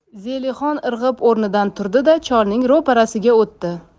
zelixon irg'ib o'rnidan turdi da cholning ro'parasiga o'tdi